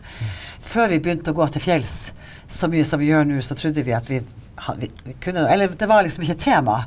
før vi begynte å gå til fjells så mye som vi gjør nå så trudde vi at vi vi kunne eller det var liksom ikke et tema.